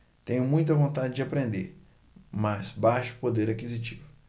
tenho muita vontade de aprender mas baixo poder aquisitivo